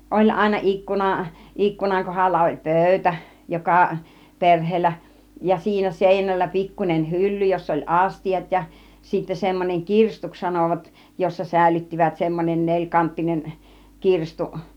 oli aina ikkuna ikkunan kohdalla oli pöytä joka perheellä ja siinä seinällä pikkuinen hylly jossa oli astiat ja sitten semmoinen kirstuksi sanoivat jossa säilyttivät semmoinen nelikanttinen kirstu